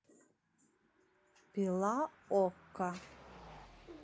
пила okko